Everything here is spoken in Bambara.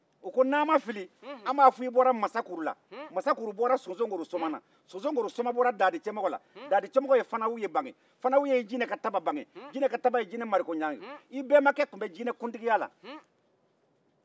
u ko n'an ma fili an b'a fɔ i bɔra masa kuru la masa kuru bɔra sonsonkuru soma na sonsonkuru soma bɔra dadi cɛmɔgɔ la dadi cɛmɔgɔ ye fana wuye bange fana wuye ye jinɛ ka taba bange jinɛ ka taba ye jine marikonjan bange i benkɛ tun bɛ jinɛkuntigiya la